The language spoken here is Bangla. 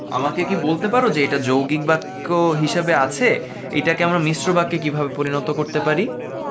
আমাকে কি বলতে পারো এটা যৌগিক বাক্য হিসেবে আছে এটা কে আমরা মিশ্র বাক্যে কিভাবে পরিণত করতে পারি